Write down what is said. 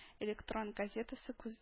Электрон газетасы күзә